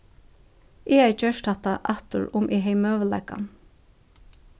eg hevði gjørt hatta aftur um eg hevði møguleikan